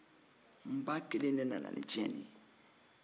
n ba kelen de nana ni tiɲɛni ye